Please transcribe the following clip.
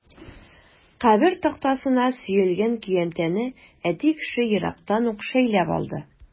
Кабер тактасына сөялгән көянтәне әти кеше ерактан ук шәйләп алды.